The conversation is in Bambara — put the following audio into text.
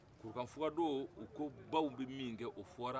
kurukanfuka don u ko baw bɛ min kɛ o fɔra